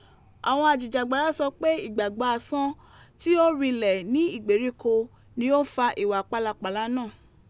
Àwọn ajìjàngbara sọ pé ìgbàgbọ́ asán tí ó rinlẹ̀ ní ìgbèríko ni ó ń fa ìwà pálapalà náà.